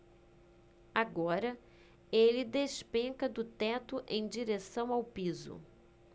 agora ele despenca do teto em direção ao piso